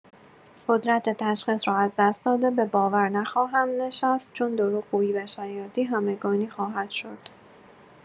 قدرت تشخیص را از دست داده، به باور نخواهند نشست، چون دروغگویی و شیادی همگانی خواهد شد.